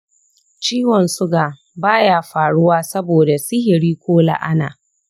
ciwon suga ba ya faruwa saboda sihiri ko la'ana